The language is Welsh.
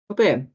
Y be?